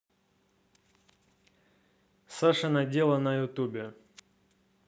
сашино дело на ютубе